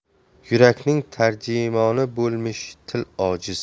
yurakning tarjimoni bo'lmish til ojiz